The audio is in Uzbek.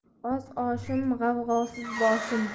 oz oshim g'avg'osiz boshim